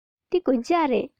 འདི སྒོ ལྕགས རེད